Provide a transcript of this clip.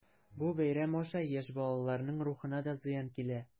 Бу бәйрәм аша яшь балаларның рухына да зыян килә.